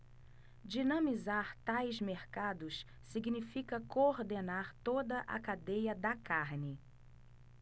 dinamizar tais mercados significa coordenar toda a cadeia da carne